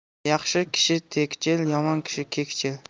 yaxshi kishi tegchil yomon kishi kekchil